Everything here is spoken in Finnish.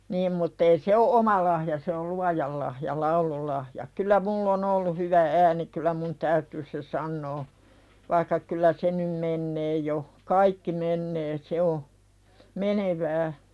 niin mutta ei se ole oma lahja se oli luojan lahja laululahja kylä minulla on ollut hyvä ääni kyllä minun täytyy se sanoa vaikka kyllä se nyt menee jo kaikki menee se on menevää